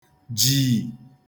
jìì